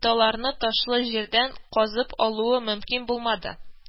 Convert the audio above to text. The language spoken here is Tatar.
Даларны ташлы җирдән казып алуы мөмкин булмады